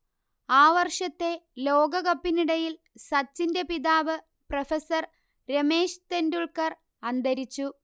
ആ വർഷത്തെ ലോകകപ്പിനിടയിൽ സച്ചിന്റെ പിതാവ് പ്രൊഫസർ രമേശ് തെൻഡുൽക്കർ അന്തരിച്ചു